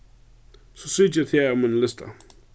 so striki eg tað av mínum lista